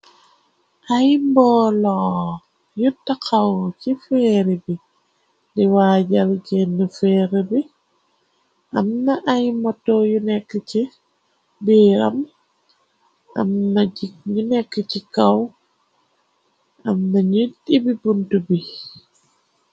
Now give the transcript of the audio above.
Ay mboolo yutaxaw ci feeri bi diwaa jal jenn feeri bi amna ay moto yu nekk biiram ñu nekk ci kaw am mañi ibi buntu bi.